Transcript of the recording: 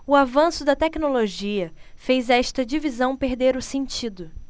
o avanço da tecnologia fez esta divisão perder o sentido